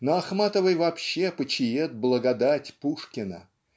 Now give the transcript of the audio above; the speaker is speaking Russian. На Ахматовой вообще почиет благодать Пушкина